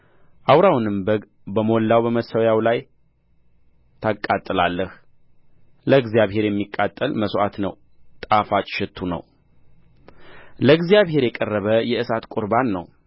አውራውንም በግ በሞላው በመሠዊያው ላይ ታቃጥላለህ ለእግዚአብሔር የሚቃጠል መሥዋዕት ነው ጣፋጭ ሽቱ ነው ለእግዚአብሔር የቀረበ የእሳት ቍርባን ነው